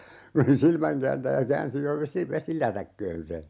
kun se oli silmänkääntäjä käänsi jo - vesilätäkköön sen